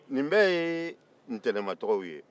nin bɛɛ ye ntɛnɛn ma tɔgɔw ye